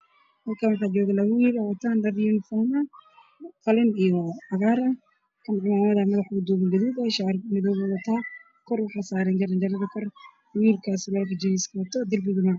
Meeshan waxaa iga muuqda nin wato dhar shaqo